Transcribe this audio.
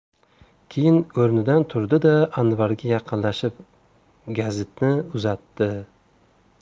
keyin o'rnidan turdi da anvarga yaqinlashib gazitni uzatdi